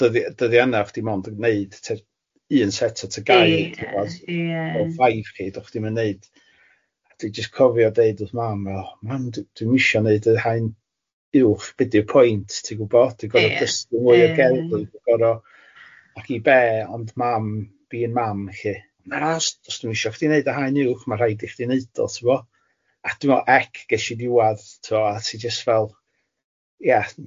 Dyddia- dyddia yna o' chdi mond yn neud ti- un set o tygau... Ie ie ...odd rhai neud, o chi dim yn neud, dwi'n jyst cofio deud wrth mam a, mam dwi'm isio neud y haen uwch, be di'r point ti gwbod... Ie ie. ...dwi'n goro dysgu mwy o gerddi, ag i be, ond mam fi yn mam lly, na os di nhw isio chdi neud y haen uwch ma rhaid ti neud o tibo. A dwi'n meddwl mai ec ges i n diwadd a tibo, ti jyst fel ia.